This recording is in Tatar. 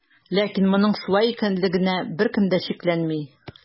Ләкин моның шулай икәнлегенә беркем дә шикләнми.